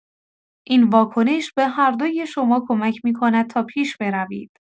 این واکنش به هر دوی شما کمک می‌کند تا پیش بروید.